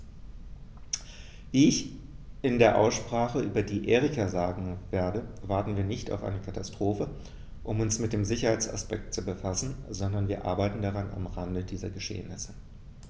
Wie ich in der Aussprache über die Erika sagen werde, warten wir nicht auf eine Katastrophe, um uns mit dem Sicherheitsaspekt zu befassen, sondern wir arbeiten daran am Rande dieser Geschehnisse.